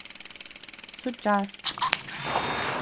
síggjast